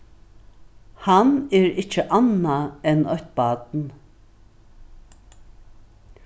hann er ikki annað enn eitt barn